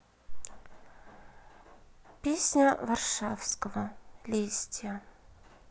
песня варшавского листья